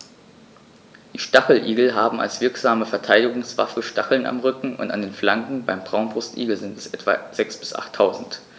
Die Stacheligel haben als wirksame Verteidigungswaffe Stacheln am Rücken und an den Flanken (beim Braunbrustigel sind es etwa sechs- bis achttausend).